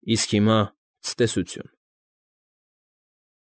Իսկ հիմա՝ ցտեսությո՛ւն։